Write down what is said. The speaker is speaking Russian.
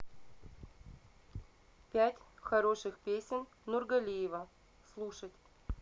пять хороших песен нургалиева слушать